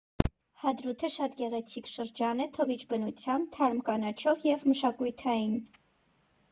Հադրութը շատ գեղեցիկ շրջան է, թովիչ բնությամբ, թարմ կանաչով և մշակութային։